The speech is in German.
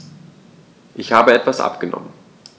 Ich habe etwas abgenommen.